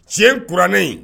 Tiɲɛ kurannen yen